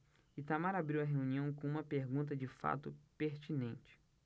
itamar abriu a reunião com uma pergunta de fato pertinente